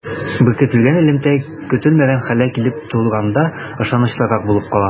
Беркетелгән элемтә көтелмәгән хәлләр килеп туганда ышанычлырак булып кала.